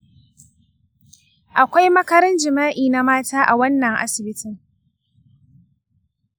akwai makarin jima’i na mata a wannan asibiti.